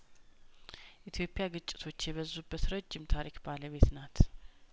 ኢትዮጵያ ግጭቶች የበዙበት ረጅም ታሪክ ባለቤትናት